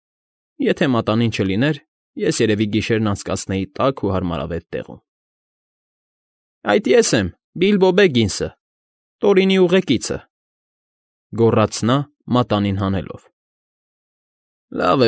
Եթե մատանին չլիներ, ես, երևի, գիշերն անցկացնեի տաք ու հարմարավետ տեղում»։ ֊ Այդ ես եմ, Բիլբո Բեգինսը, Տորինի ուղեկցիը,֊ գոռաց նա՝ մատանին հանելով։ ֊ Լավ։